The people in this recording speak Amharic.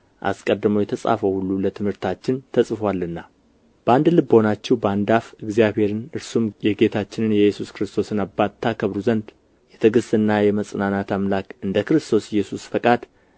አስቀድሞ የተጻፈው ሁሉ ለትምህርታችን ተጽፎአልና በአንድ ልብ ሆናችሁ በአንድ አፍ እግዚአብሔርን እርሱም የጌታችን የኢየሱስ ክርስቶስ አባት ታከብሩ ዘንድ የትዕግሥትና የመጽናናት አምላክ እንደ ክርስቶስ ኢየሱስ ፈቃድ